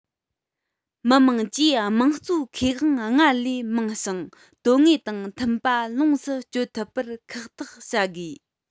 མི དམངས ཀྱིས དམངས གཙོའི ཁེ དབང སྔར ལས མང ཞིང དོན དངོས དང མཐུན པ ལོངས སུ སྤྱོད ཐུབ པར ཁག ཐེག བྱ དགོས